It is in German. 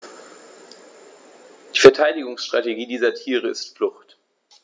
Die Verteidigungsstrategie dieser Tiere ist Flucht.